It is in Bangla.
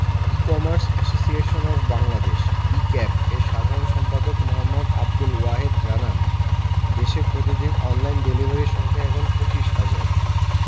E commerce association of Bangladesh e CAB এর সাধারণ সম্পাদক মো. আবদুল ওয়াহেদ জানান দেশে প্রতিদিন অনলাইন ডেলিভারি সংখ্যা এখন ২৫ হাজার